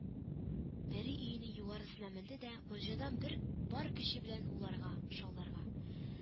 Пәри өйнең югарысына менде дә морҗадан бер бар көче белән уларга, шауларга